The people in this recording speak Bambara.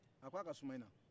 a ko aka suma i na